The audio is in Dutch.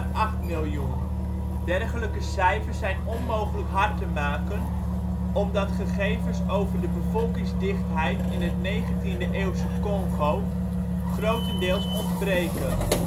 acht miljoen. Dergelijke cijfers zijn onmogelijk hard te maken omdat gegevens over de bevolkingsdichtheid in het 19de eeuwse Congo grotendeels ontbreken